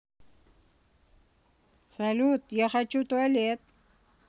салют я хочу в туалет